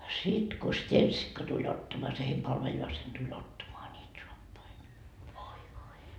sitten kun stensikka tuli ottamaan se heidän palvelijansa tuli ottamaan niitä saappaita niin voi voi